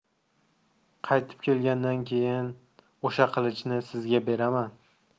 qaytib kelgandan keyin o'sha qilichni sizga beraman